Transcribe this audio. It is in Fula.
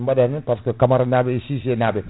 baɗa andi par ce Camara naɓe e Sy Sy naɓe